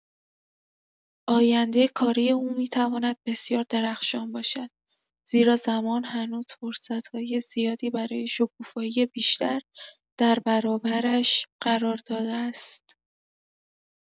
آینده کاری او می‌تواند بسیار درخشان باشد، زیرا زمان هنوز فرصت‌های زیادی برای شکوفایی بیشتر در برابرش قرار داده است.